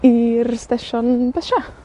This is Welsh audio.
i'r stesion bysia.